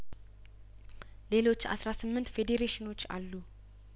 ሌሎች አስራ ስምንት ፌዴሬሽኖች አሉ